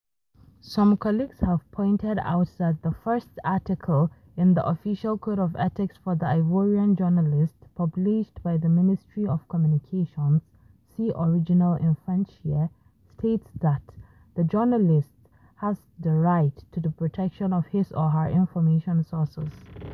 Some colleagues have pointed out that the first article in the official Code of Ethics for the Ivorian Journalist published by the Ministry of Communications (see original in French here) states that “the journalist has the right to the protection of his/her information sources”.